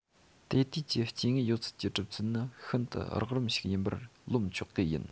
དེ དུས ཀྱི སྐྱེ དངོས ཡོད ཚད ཀྱི གྲུབ ཚུལ ནི ཤིན ཏུ རགས རིམ ཞིག ཡིན པར རློམ ཆོག གི ཡིན